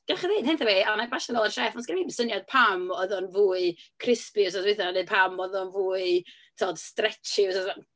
Gewch chi ddeud hyn wrtha fi a wna i basio fo nôl i'r chef, ond 'sgenna fi ddim syniad pam oedd o'n fwy crispy wythnos dwytha, neu pam oedd o'n fwy, tibod, stretchy wythnos yma.